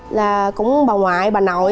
là cũng bà ngoại bà nội